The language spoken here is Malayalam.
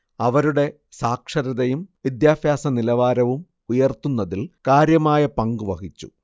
അവരുടെ സാക്ഷരതയും വിദ്യാഭ്യാസനിലവാരവും ഉയർത്തുന്നതിൽ കാര്യമായ പങ്കുവഹിച്ചു